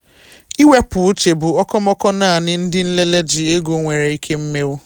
Iwepu uche bụ okomoko naanị ndị nlele ji ego nwere ike ịmenwu.